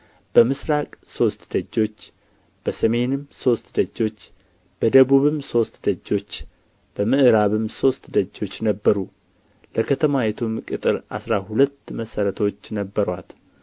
በምሥራቅ ሦስት ደጆች በሰሜንም ሦስት ደጆች በደቡብም ሦስት ደጆች በምዕራብም ሦስት ደጆች ነበሩ ለከተማይቱም ቅጥር አሥራ ሁለት መሠረቶች ነበሩአት